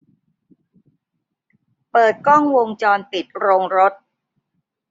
เปิดกล้องวงจรปิดโรงรถ